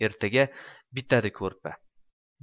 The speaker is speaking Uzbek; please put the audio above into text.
ertaga bitadi ko'rpa